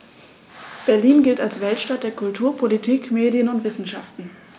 Berlin gilt als Weltstadt der Kultur, Politik, Medien und Wissenschaften.